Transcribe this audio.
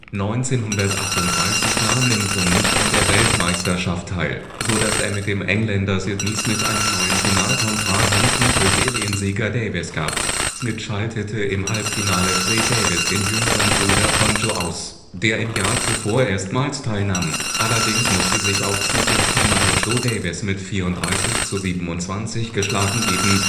1938 nahm Lindrum nicht an der Weltmeisterschaft teil, sodass es mit dem Engländer Sidney Smith einen neuen Finalkontrahenten für Seriensieger Davis gab. Smith schaltete im Halbfinale Fred Davis – den jüngeren Bruder von Joe – aus, der im Jahr zuvor erstmals teilnahm. Allerdings musste sich auch Smith im Finale Joe Davis mit 34:27 geschlagen geben